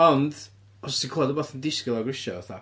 Ond, os ti'n clywed wbath yn disgyn lawr grisiau fatha.